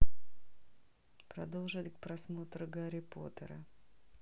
продолжить просмотр гарри поттера